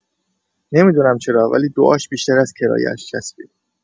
نمی‌دونم چرا، ولی دعاش بیشتر از کرایه‌ش چسبید.